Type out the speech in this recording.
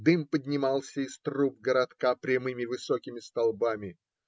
дым поднимался из труб городка прямыми высокими столбами.